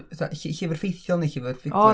fatha ll- llyfr ffeithiol neu llyfr ffuglen?